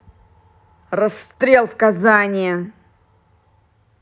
расстрел в казани